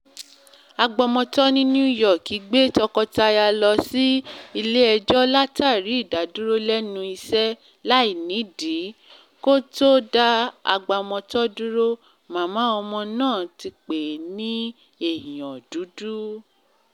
Agbọmọtọ́ ní New York gbé tọkọtaya lọ sí ilé-ẹjọ́ látàrí ìdádúró lẹnu iṣẹ́ láìnídìí. K’ọ́n tó dá agbọmọtọ́ dúró, màmá ọmọ náà t pè é ní “èèyàn dúdú.”